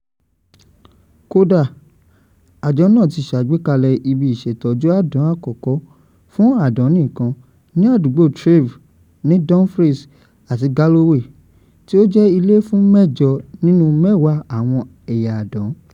Kódà, Ajọ náà ti ṣàgbékalẹ̀ ibi ìṣètọ́jú àdán àkọ́kọ́ fún àdán nìkan ní àdúgbò Threave ní Dumfries àti Galloway, tí ó jẹ́ ilé fún mẹ́jọ nínú mẹ́wàá àwọn ẹ̀yà àdán.